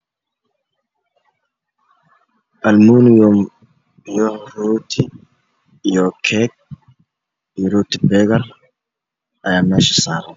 Almuniyam iyo rooti, keeg iyo rooti hambeegar ayaa meesha saaran.